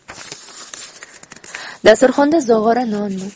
dasturxonda zog'ora nonmi